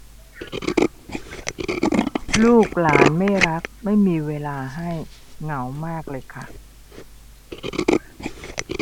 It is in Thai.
ลูกหลานไม่รักไม่มีเวลาให้เหงามากเลยค่ะ